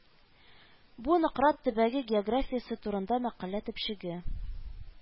Бу Нократ төбәге географиясе турында мәкалә төпчеге